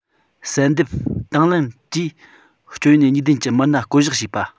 གསལ འདེབས དང ལེན གྱིས སྤྱོད ཡོན གཉིས ལྡན གྱི མི སྣ བསྐོ གཞག བྱས པ